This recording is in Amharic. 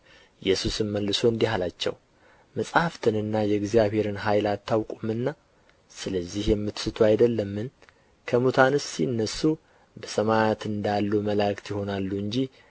ኢየሱስም መልሶ እንዲህ አላቸው መጻሕፍትንና የእግዚአብሔርን ኃይል አታውቁምና ስለዚህ የምትስቱ አይደለምን ከሙታንስ ሲነሡ በሰማያት እንዳሉ መላእክት ይሆናሉ እንጂ አያገቡም